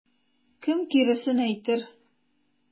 Кем киресен әйтер?